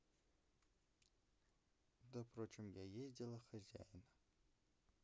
да прочим я ездила хозяина